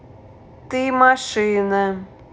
ты машина